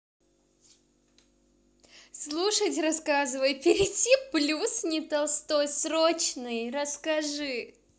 слушать рассказывай перейти plus не толстой срочный расскажи